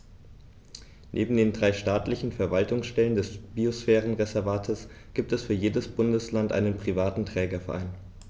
Neben den drei staatlichen Verwaltungsstellen des Biosphärenreservates gibt es für jedes Bundesland einen privaten Trägerverein.